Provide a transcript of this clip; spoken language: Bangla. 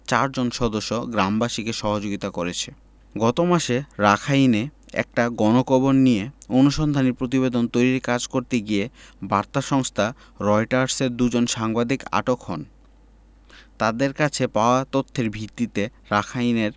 চারজন সদস্য গ্রামবাসীকে সহযোগিতা করেছে গত মাসে রাখাইনে একটি গণকবর নিয়ে অনুসন্ধানী প্রতিবেদন তৈরির কাজ করতে গিয়ে বার্তা সংস্থা রয়টার্সের দুজন সাংবাদিক আটক হন তাঁদের কাছে পাওয়া তথ্যের ভিত্তিতে রাখাইনের